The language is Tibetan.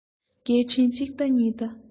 སྐད འཕྲིན གཅིག ལྟ གཉིས ལྟ